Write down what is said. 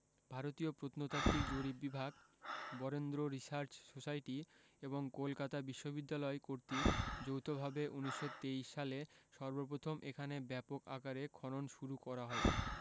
ভারতীয় প্রত্নতাত্ত্বিক জরিপ বিভাগ বরেন্দ্র রিসার্চ সোসাইটি এবং কলকাতা বিশ্ববিদ্যালয় কর্তৃক যৌথভাবে ১৯২৩ সালে সর্বপ্রথম এখানে ব্যাপক আকারে খনন শুরু হয়